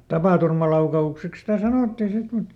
tapaturmalaukaukseksi sitä sanottiin sitten mutta